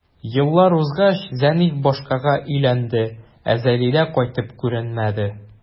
Еллар узгач, Зәниф башкага өйләнде, ә Зәлидә кайтып күренмәде.